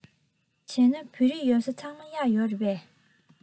བྱས ན བོད རིགས ཡོད ས ཚང མར གཡག ཡོད རེད པས